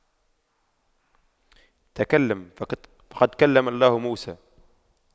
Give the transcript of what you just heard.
تكلم فقد كلم الله موسى